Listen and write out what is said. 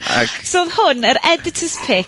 ... ag... So odd hwn yr editor's pick...